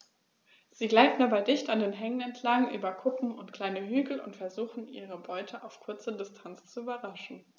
Sie gleiten dabei dicht an Hängen entlang, über Kuppen und kleine Hügel und versuchen ihre Beute auf kurze Distanz zu überraschen.